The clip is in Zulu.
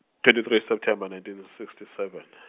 twenty three September, nineteen sixty seven.